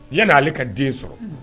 Yan'ale ka den sɔrɔ